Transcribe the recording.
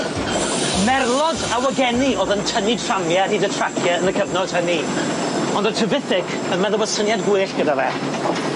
Merlod a wageni o'dd yn tynnu tramie ar hyd y tracia yn y cyfnod hynny, ond o'dd Trevithick yn meddwl bo' syniad gwell gyda fe.